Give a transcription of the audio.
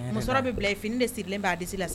Muso bɛ bila f finiini de sirilen b'a disi la